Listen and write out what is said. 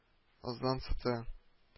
Ызан сыта